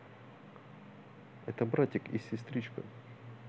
это братик и сестричка